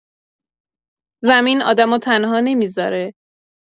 زمین آدمو تنها نمی‌ذاره.